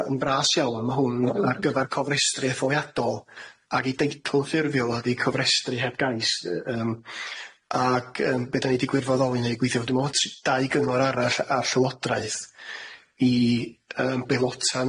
Yn bras iawn ma' hwn ar gyfar cofrestru etholiadol ag i deitl ffurfiol o'dd i cofrestru heb gais yy yym ag yym be' da ni di gwirfoddoli neu' gwithio dwi me'wl ts- dau gyngor arall ar llywodraeth i yym beilota